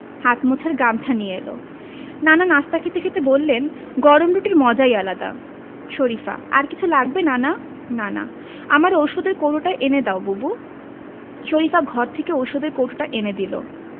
নানার জন্য খাবার পানি নিয়ে এলো হাত মোছার গামছা নিয়ে এলো নানা নাশতা খেতে খেতে বললেন গরম রুটির মজাই আলাদা শরিফা আর কিছু লাগবে নানা নানা আমার ঔষধের কৌটোটা এনে দাও বুবু শরিফা ঘর থেকে ঔষধের কৌটোটা এনে দিল